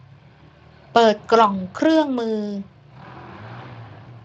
เปิดกล่องเครื่องมือ